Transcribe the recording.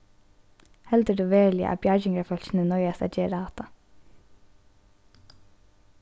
heldur tú veruliga at bjargingarfólkini noyðast at gera hatta